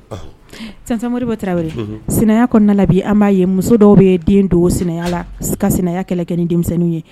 Tonton Modibo Traore Sinayara kɔnɔna la, an ba ye muso dɔw be den dogo sinaya la ka sinaya kɛlɛ kɛ ni denmisɛnninw ye